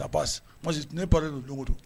Ça passe moi, je tenais parler de